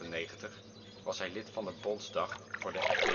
1990 tot 1998 was hij lid van de Bondsdag voor de FDP